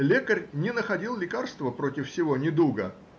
лекарь не находил лекарства против сего недуга.